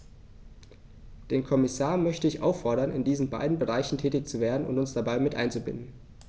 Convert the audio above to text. Den Kommissar möchte ich auffordern, in diesen beiden Bereichen tätig zu werden und uns dabei mit einzubinden.